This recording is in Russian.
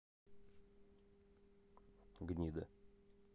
гнида